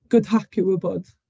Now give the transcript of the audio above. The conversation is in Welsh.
Good hack i wybod!